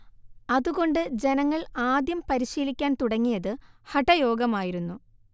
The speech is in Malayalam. അതുകൊണ്ട് ജനങ്ങൾ ആദ്യം പരിശീലിക്കാൻ തുടങ്ങിയത് ഹഠയോഗമായിരുന്നു